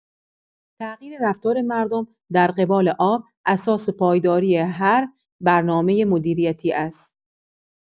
تغییر رفتار مردم در قبال آب، اساس پایداری هر برنامۀ مدیریتی است.